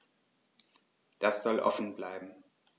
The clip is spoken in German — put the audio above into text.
Das soll offen bleiben.